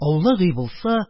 Аулак өй булса,